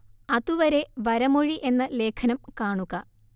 അതുവരെ വരമൊഴി എന്ന ലേഖനം കാണുക